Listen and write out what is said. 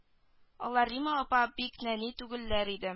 Алар римма апа бик нәни түгелләр инде